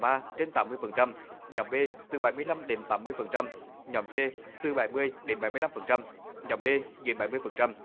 a trên tám mươi phần trăm nhóm bê từ bảy mươi lăm đến tám mươi phần trăm nhóm xê từ bảy mươi đến bảy mươi lăm phần trăm nhóm đê dưới bảy mươi phần trăm